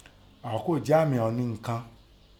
Àọ́kọ́ jẹ́ àmìn ọ̀nì unǹkan.